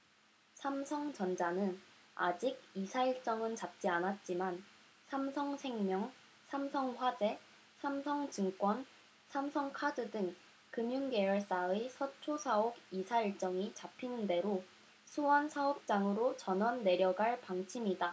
삼성전자는 아직 이사 일정은 잡지 않았지만 삼성생명 삼성화재 삼성증권 삼성카드 등 금융계열사들의 서초 사옥 이사 일정이 잡히는 대로 수원사업장으로 전원 내려갈 방침이다